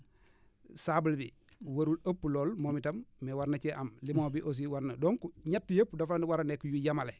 sable bi warul ëpp loolu moom i tam mais war na cee am limon bi aussi warna donc ñett yëpp dafa war a nekk yu yemale